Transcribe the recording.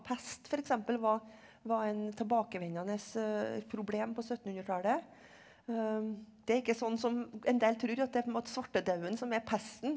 pest f.eks. var var en tilbakevendende et problem på syttenhundretallet det er ikke sånn som en del tror at det er på en måte svartedauden som er pesten.